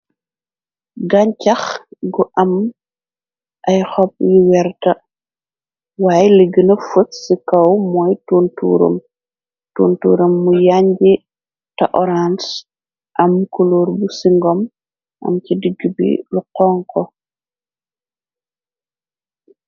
Gañcax gu am ay xob yu weerta waay ligëna fot ci kaw mooy tuntuuram tunturam mu yanji te orance am kuluur bu singom am ci digbi lu xonxu.